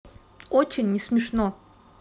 очень не смешно